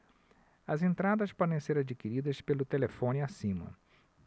as entradas podem ser adquiridas pelo telefone acima